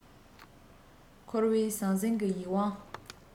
འཁོར བའི ཟང ཟིང གིས ཡིད དབང